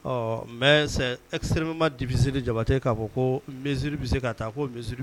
Ɔ mɛ errema dibisiriri jabate k'a fɔ ko misiri bɛ se ka taa ko misisiriri